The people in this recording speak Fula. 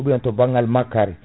ou bien to banggal makkari